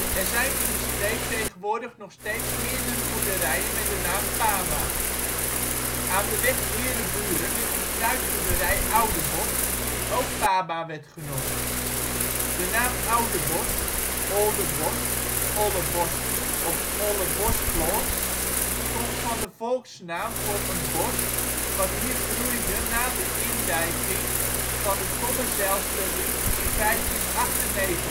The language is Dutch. zijn in de streek tegenwoordig nog steeds meerdere boerderijen met de naam Pama: Aan de weg Heereburen ligt de fruitboerderij Oudebosch die ook Pama werd genoemd. De naam Oudebosch (Oldenbosch, ' t Olle Bos, Olle Bosploats) komt van de volksnaam voor een bos wat hier groeide na de indijking van de Kommerzijlsterriet in 1598